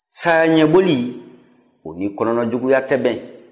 sayaɲɛboli o ni kɔnɔnajuguya tɛ bɛn